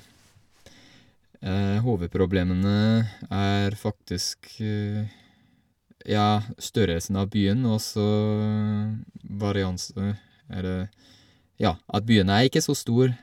Hovedproblemene er faktisk, ja, størrelsen av byen, og så, varianse eller, ja, at byen er ikke så stor.